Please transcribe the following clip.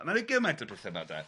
A mae'n roi gymaint o bethau yna de.